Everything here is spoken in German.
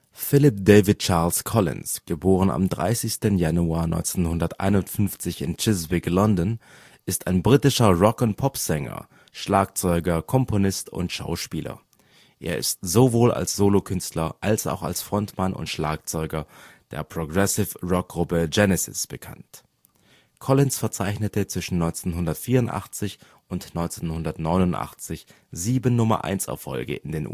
Philip David Charles „ Phil “Collins (* 30. Januar 1951 in Chiswick, London) ist ein britischer Rock -/ Pop-Sänger, Schlagzeuger, Komponist und Schauspieler. Er ist sowohl als Solokünstler als auch als Frontmann und Schlagzeuger der Progressive-Rock-Gruppe Genesis bekannt. Collins verzeichnete zwischen 1984 und 1989 sieben Nummer-Eins-Erfolge in